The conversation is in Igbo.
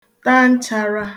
ta nchāra